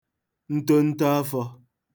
ntonto afọ̄